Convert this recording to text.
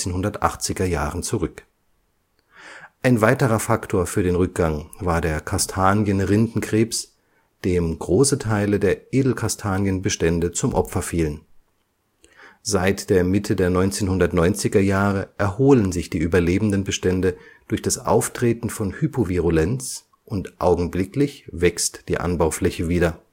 1980er Jahren zurück. Ein weiterer Faktor für den Rückgang war der Kastanienrindenkrebs, dem große Teile der Edelkastanienbestände zum Opfer fielen. Seit der Mitte der 1990er Jahre erholen sich die überlebenden Bestände durch das Auftreten von Hypovirulenz und augenblicklich wächst die Anbaufläche wieder